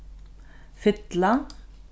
fylla